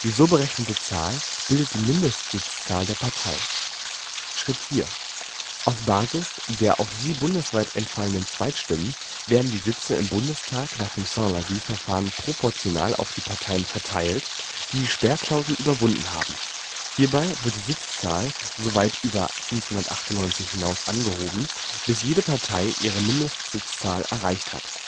so berechnete Zahl bildet die Mindestsitzzahl der Partei. Schritt 4: Auf Basis der auf sie bundesweit entfallenden Zweitstimmen werden die Sitze im Bundestag nach dem Sainte-Laguë-Verfahren proportional auf die Parteien verteilt, die die Sperrklausel überwunden haben. Hierbei wird die Sitzzahl so weit über 598 hinaus angehoben, bis jede Partei ihre Mindestsitzzahl erreicht hat